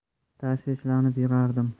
tashvishlanib yurardim